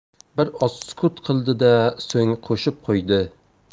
bir oz sukut qildi da so'ng qo'shib qo'ydi